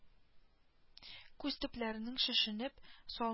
Күз төпләренең шешенеп-сал